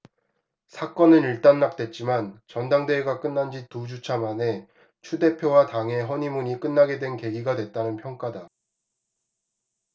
사건은 일단락됐지만 전당대회가 끝난지 두 주차 만에 추 대표와 당의 허니문이 끝나게 된 계기가 됐다는 평가다